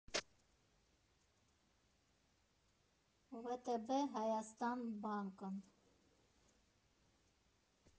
ՎՏԲ Հայաստան Բանկն։